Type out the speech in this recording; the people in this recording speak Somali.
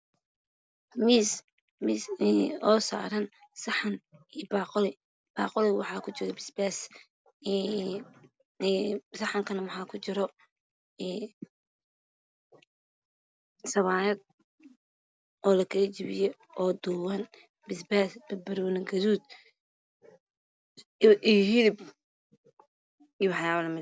Waa miis oo saaran saxan iyo baaquli. Baaquliga waxaa kujiro basbaas, saxanka waxaa kujiro sawaayad oo lakala jabiyey waana duuban yahay, basbaas, banbanooni gaduud iyo hilib.